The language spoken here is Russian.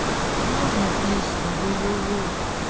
можно песню жу жу жу